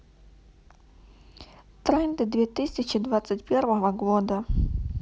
тренды две тысячи двадцать первого года